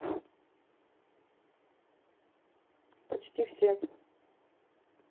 почти все